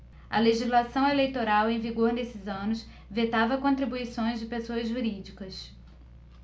a legislação eleitoral em vigor nesses anos vetava contribuições de pessoas jurídicas